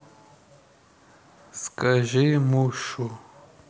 скажи мушу